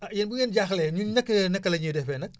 ah yéen bu ngeen jaaxlee ñun naka naka la ñuy defee nag